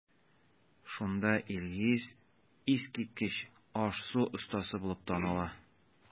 Шунда Илгиз искиткеч аш-су остасы булып таныла.